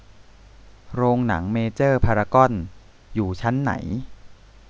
โรงหนังเมเจอร์พารากอนอยู่ชั้นไหน